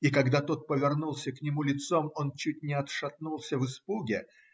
И когда тот повернулся к нему лицом, он чуть не отшатнулся в испуге